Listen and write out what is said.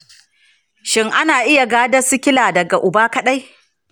shin a na iya gadar cutar sikila daga uba kaɗai?